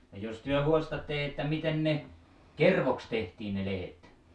no jos te haastatte että miten ne kerpuiksi tehtiin ne lehdet